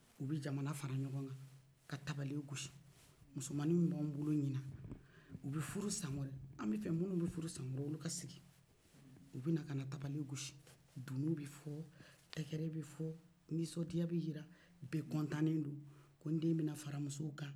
u bɛ jamana fara ɲɔgɔn kan ka tabale gosi musomani minnu b'an bolo ɲina o bɛ furu san wɛrɛ an bɛ fɛ minnu bɛ furu san wɛrɛ olu ka sigi u bɛ na ka na tabale gosi dunun bɛ fɔ tɛgɛrɛ bɛ fɔ nisondiya bɛ jira bɛ kɔntannen do ko n den bɛna fara musow kan